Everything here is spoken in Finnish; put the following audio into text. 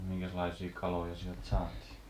no minkäslaisia kaloja sieltä saatiin